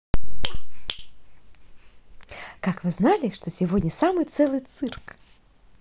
как вы знали что сегодня самый целый цирк